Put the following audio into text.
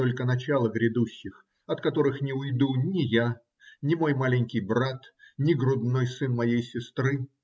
только начало грядущих, от которых не уйду ни я, ни мой маленький брат, ни грудной сын моей сестры.